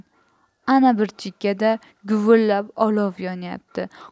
ana bir chekkada guvillab olov yonyapti